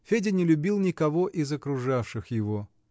Федя не любил никого из окружавших его.